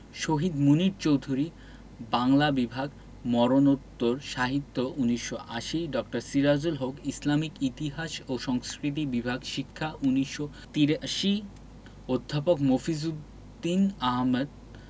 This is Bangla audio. শহীদ মুনীর চৌধুরী বাংলা বিভাগ মরণোত্তর সাহিত্য ১৯৮০ ড. সিরাজুল হক ইসলামিক ইতিহাস ও সংস্কৃতি বিভাগ শিক্ষা ১৯৮৩ অধ্যাপক মফিজ উদ দীন আহমেদ